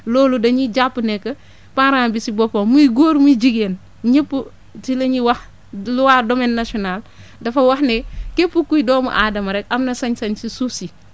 loolu dañuy jàpp ne que parent bi si boppam muy góor muy jigéen ñëpp si li ñuy wax loi domaine national dafa wax ne képp kuy doomu Adama rek am na sañ-sañ si suuf si